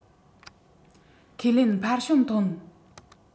ཁས ལེན འཕར བྱུང ཐོན